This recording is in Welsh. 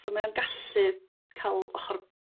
So mae o'n gallu ca'l ochr.